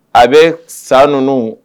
A bɛ sa ninnu